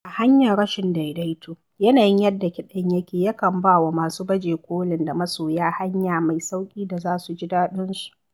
A hanyar rashin daidaito, yanayin yadda kiɗan yake yakan ba wa masu baje-kolin da masoya hanya mai sauƙi da za su ji daɗinsu.